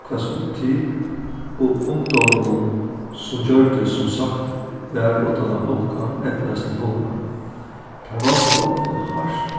hvat skuldi til og ungdómunum sum gjørdi sum sagt var uttan at blunka eydnaðist til fulnar teir vandu ógvuliga hart